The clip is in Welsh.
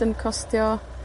yn costio